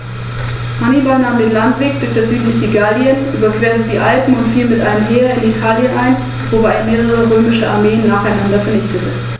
In den wenigen beobachteten Fällen wurden diese großen Beutetiere innerhalb von Sekunden getötet.